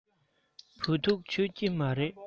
བོད ཐུག མཆོད ཀྱི རེད